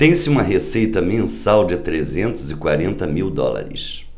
tem-se uma receita mensal de trezentos e quarenta mil dólares